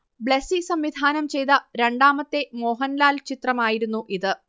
ബ്ലെസ്സി സംവിധാനം ചെയ്ത രണ്ടാമത്തെ മോഹൻലാൽ ചിത്രമായിരുന്നു ഇത്